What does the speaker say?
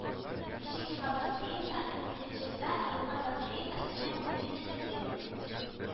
Кече елга бассейны Вычегда, елга бассейны Төньяк Двина ике